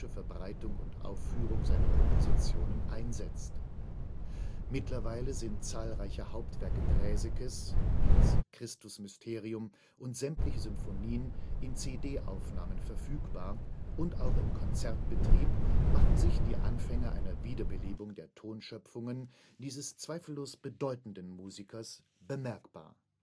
Verbreitung und Aufführung seiner Kompositionen einsetzt. Mittlerweile sind zahlreiche Hauptwerke Draesekes, wie das Christus-Mysterium und sämtliche Symphonien, in CD-Aufnahmen verfügbar und auch im Konzertbetrieb machen sich die Anfänge einer Wiederbelebung der Tonschöpfungen dieses zweifellos bedeutenden Musikers bemerkbar